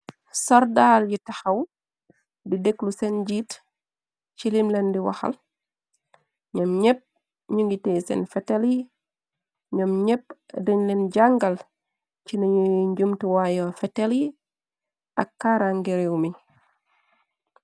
sordaal yi taxaw, di dekklu seen jiit, ci limlan di waxal. Nñoom ñepp, ñu ngi teye seen fetal yi. Nñoom ñepp, dañ leen jàngal ci nañuy njumti waayo fetal yi, ak kaarange réew mi.